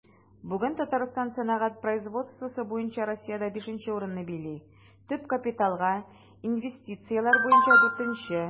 Бүген Татарстан сәнәгать производствосы буенча Россиядә 5 нче урынны били, төп капиталга инвестицияләр буенча 4 нче.